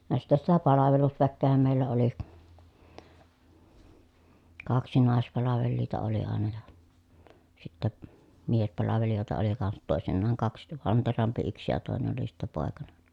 vaan sitten sitä palvelusväkeähän meillä oli kaksi naispalvelijaa oli aina ja sitten miespalvelijoita oli kanssa toisinaan kaksi vantterampi yksi ja toinen oli sitten poikanen